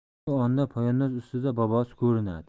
shu onda poyandoz ustida bobosi ko'rinadi